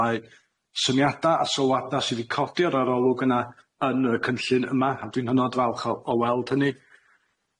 Mae syniada a sylwada sy 'di codi o'r arolwg yna yn y cynllun yma a dwi'n hynod falch o o weld hynny.